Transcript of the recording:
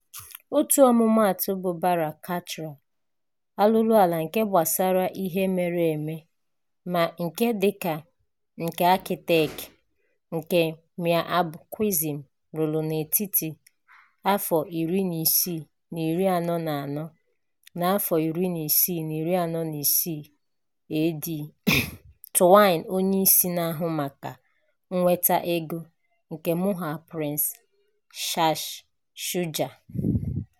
Otu ọmụmaatụ bụ Bara Katra, arụrụarụ nke gbasara ihe mere eme ma nke dị ka nke akịtekịtị nke Mir Abul Qasim rụrụ n'etiti 1644 na 1646 AD, Diwan (onye isi na-ahụ maka mweta ego) nke Mughal prince Shah Shuja.